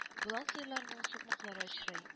Болан сыерларының сукмаклары очрый